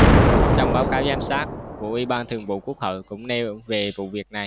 trong báo cáo giám sát của ủy ban thường vụ quốc hội cũng nêu về vụ việc này